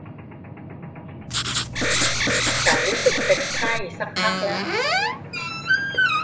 ฉันรู้สึกเป็นไข้สักพักแล้ว